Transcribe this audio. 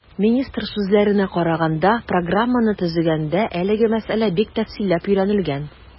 Министр сүзләренә караганда, программаны төзегәндә әлеге мәсьәлә бик тәфсилләп өйрәнелгән.